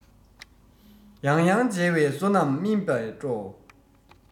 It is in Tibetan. ཡང ཡང མཇལ བའི བསོད ནམས སྨིན པས སྤྲོ